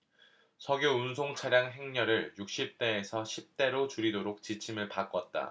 석유 운송차량 행렬을 육십 대에서 십 대로 줄이도록 지침을 바꿨다